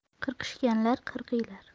qirqishganlar qirqilar